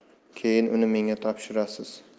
keyin uni menga topshirasiz